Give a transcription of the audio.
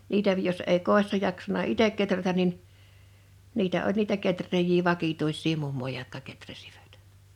niitä jos ei kodissa jaksanut itse kehrätä niin niitä oli niitä kehrääjiä vakituisia mummoja jotka kehräsivät